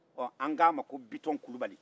ɔ an k'a ma ko bitɔn kulibali